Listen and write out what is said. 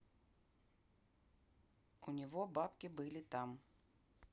у него бабки были там